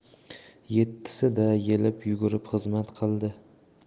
yettisida yelib yugurib xizmat qildi